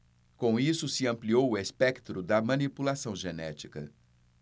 com isso se ampliou o espectro da manipulação genética